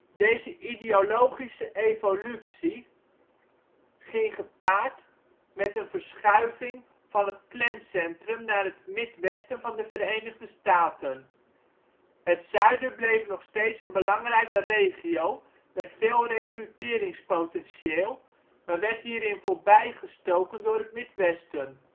Deze ideologische evolutie ging gepaard met een verschuiving van het Klancentrum naar het Midwesten van de Verenigde Staten. Het Zuiden bleef nog steeds een belangrijke regio met veel rekruteringspotentieel maar werd hierin voorbijgestoken door het Midwesten